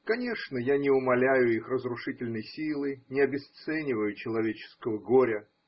Конечно, я не умаляю их разрушительной силы, не обесцениваю человеческого горя.